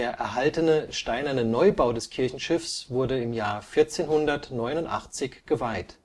erhaltene steinerne Neubau des Kirchenschiffs wurde 1489 geweiht